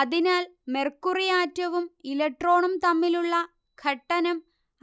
അതിനാൽ മെർക്കുറി ആറ്റവും ഇലക്ട്രോണും തമ്മിലുള്ള ഘട്ടനം